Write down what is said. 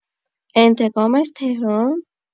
انتقام از تهران؟